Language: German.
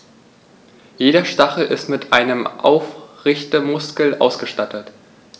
Jeder Stachel ist mit einem Aufrichtemuskel ausgestattet.